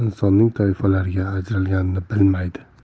insonning toifalarga ajralganini bilmaydi